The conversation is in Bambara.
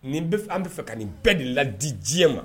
Nin bɛ an bɛ fɛ ka nin bɛɛ de ladi diɲɛ ma